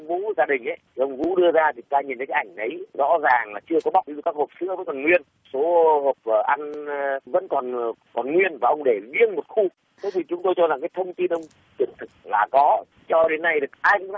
vũ gia đình ý đường vũ đưa ra thì cha nhìn thấy cái ảnh đấy rõ ràng là chưa có khắc phục sửa vẫn còn nguyên số hộp vợ anh vẫn còn nguyên vỏ để riêng một khu đô thị chúng tôi cho rằng cái thông tin không chính thức là có cho đến nay